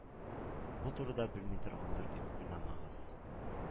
Бу турыда белми торгандыр, дип уйламагыз.